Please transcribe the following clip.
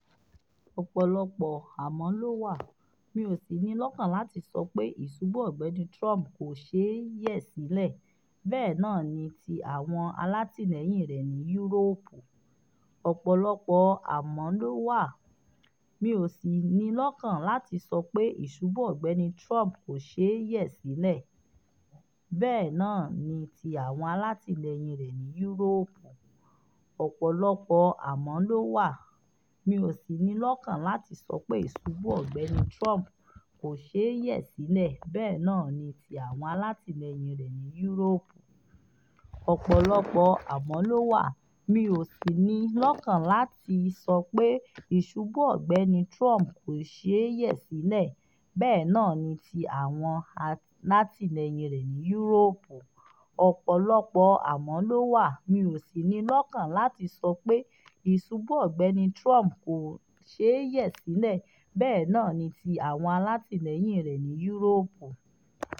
Ọ̀pọ̀lọpọ̀ àmọ́ ló wà, mi ò sì ní lọ́kàn láti sọ pé ìṣubú Ọ̀gbẹ́ni Trump kò ṣeé yẹ̀ sílẹ̀ - bẹ́ẹ̀ náà ni ti àwọn alátìlẹyìn rẹ̀ ní Yúróòpù.